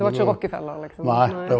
det var ikkje Rockefeller liksom nei.